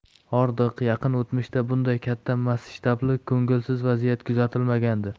hordiq yaqin o'tmishda bunday katta masshtabli ko'ngilsiz vaziyat kuzatilmagandi